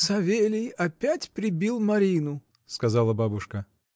— Савелий опять прибил Марину, — сказала бабушка.